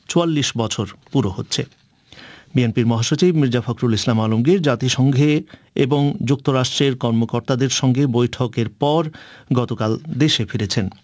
৪৪ বছর পুরো হচ্ছে মহাসচিব ফখরুল ইসলাম আলমগীর জাতিসংঘে এবং যুক্তরাষ্ট্রের কর্মকর্তাদের সঙ্গে বৈঠকের পর গতকাল দেশে ফিরেছেন